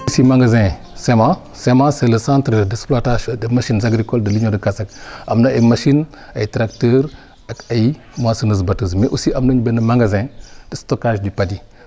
si magasin CEMA CEMA c' est le centre d' exploitation et de machine agricole de l' union de Kasak am na ay machines ay tracteurs ak ay moissoneuses bateuses mais aussi am nañu benn magasin stockage du padi